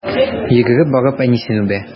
Йөгереп барып әнисен үбә.